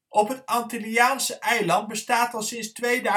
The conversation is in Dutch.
Op het Antilliaanse eiland bestaat al sinds 2012 de